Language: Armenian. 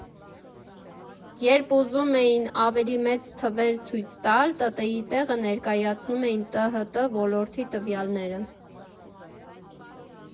Երբ ուզում էին ավելի մեծ թվեր ցույց տալ, ՏՏ֊ի տեղը ներկայացնում էին ՏՀՏ ոլորտի տվյալները։